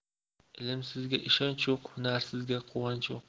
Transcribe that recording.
ilmsizga ishonch yo'q hunarsizga quvonch yo'q